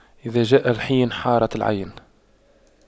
إذا جاء الحين حارت العين